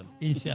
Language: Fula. incha